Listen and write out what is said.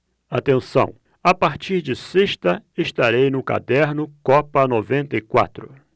atenção a partir de sexta estarei no caderno copa noventa e quatro